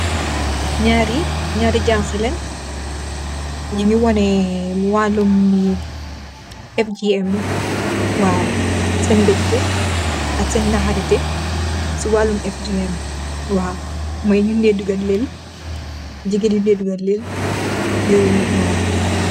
Nyari, nyari, jangha leen. nyu ngi waneh waloum mi FGM. Waaw, sen beugeteh ak sen nahariteh si waloum FGM waaw Modou: Nyun deh dugal leel jigeen, yun deh dugal leel yoyu nonu. Waaw.